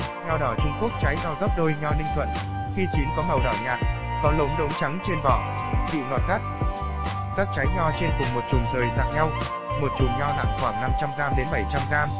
nho đỏ trung quốc trái to gấp đôi nho ninh thuận khi chín có màu đỏ nhạt có lốm đốm trắng trên vỏ vị ngọt gắt các trái nho trên cùng chùm rời rạc nhau chùm nho nặng khoảng g g